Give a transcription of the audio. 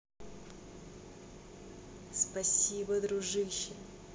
спасибо дружище